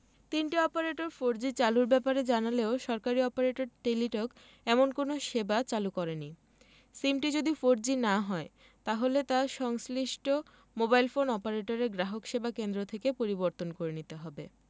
তিনটি operator four G চালুর ব্যাপারে জানালেও সরকারি অপারেটর টেলিটক এমন কোনো সেবা চালু করেনি সিমটি যদি ফোরজি না হয় তাহলে তা সংশ্লিষ্ট মোবাইল ফোন অপারেটরের গ্রাহকসেবা কেন্দ্র থেকে পরিবর্তন করে নিতে হবে